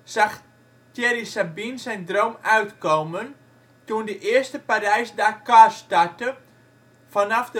zag Thierry Sabine zijn droom uitkomen, toen de eerste Parijs-Dakar startte vanaf